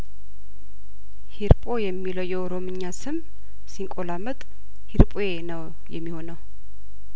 ሂርጶ የሚለው የኦሮምኛ ስም ሲቆላመጥ ሂርጱዬ ነው የሚሆነው